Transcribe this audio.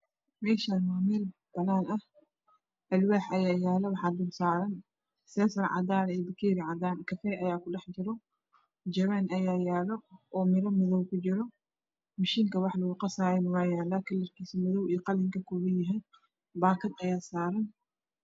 Meeshaani waa meel banaan ah alwaax ayaa yaala waxaa dul saaran seesar cadaan ah iyo bakeeri cadaan cafeey ayaa ku dhex jiro jawaan ayaa yaalo oo miro madoow ku jiro mashiinka wax lagu qasaayana waa yaala kalarkiisa madoow iyo qalin ka koobanyahy baakat ayaa saaran